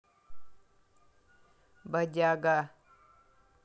бодяга